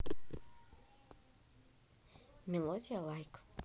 мелодия like